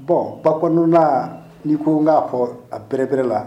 Bɔn ba kɔnɔna na n'i ko n k'a fɔ a bɛrɛbrɛ la